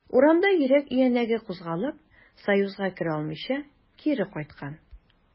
Урамда йөрәк өянәге кузгалып, союзга керә алмыйча, кире кайткан.